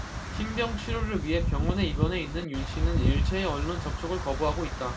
신병 치료를 위해 병원에 입원해 있는 윤씨는 일체의 언론 접촉을 거부하고 있다